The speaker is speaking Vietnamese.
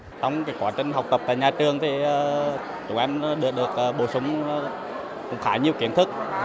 trong cái quá trình học tập tại nhà trường thì ờ tụi anh được bổ sung khá nhiều kiến thức